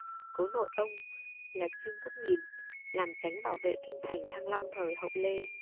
cố nội ông là trương quốc nghìn làm chánh bảo vệ kinh thành thăng long thời hậu lê